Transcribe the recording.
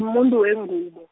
ngi muntu wengubo.